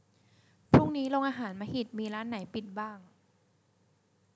พรุ่งนี้โรงอาหารมหิตมีร้านไหนปิดบ้าง